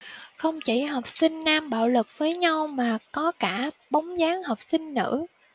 không chỉ học sinh nam bạo lực với nhau mà có cả bóng dáng học sinh nữ